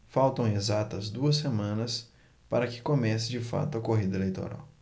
faltam exatas duas semanas para que comece de fato a corrida eleitoral